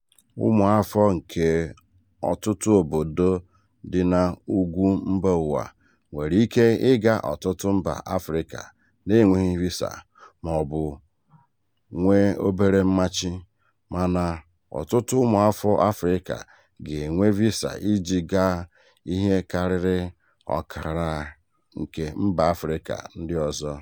Ụmụafọ nke ọtụtụ obodo dị n'ugwu mbaụwa nwere ike ịga ọtụtụ mba Afrịka n'enweghị visa, mọọbụ nwe obere mmachị, mana ọtụtụ ụmụafọ Afrịka ga-enwe visa ịjị gaa ihe karịrị ọkara nke mba Afrịka ndị ọzọ.